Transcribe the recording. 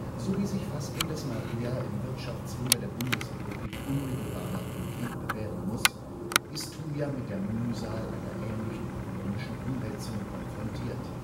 So wie sich Fassbinders Maria im Wirtschaftswunder der Bundesrepublik unmittelbar nach dem Krieg bewähren muss, ist Tuya mit der Mühsal einer ähnlichen ökonomischen Umwälzung konfrontiert